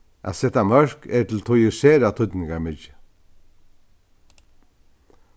at seta mørk er til tíðir sera týdningarmikið